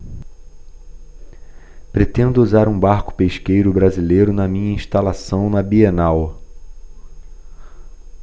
pretendo usar um barco pesqueiro brasileiro na minha instalação na bienal